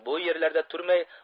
bu yerlarda turmay